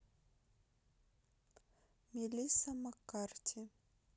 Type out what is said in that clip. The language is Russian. мелисса маккарти